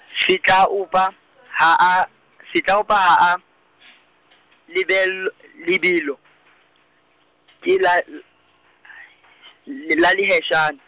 setlaopa ha a, setlaopa ha a , lebell-, lebelo , ke la- l- , le la leheshane.